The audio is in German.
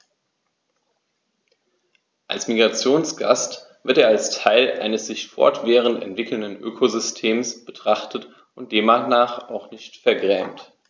Als Migrationsgast wird er als Teil eines sich fortwährend entwickelnden Ökosystems betrachtet und demnach auch nicht vergrämt.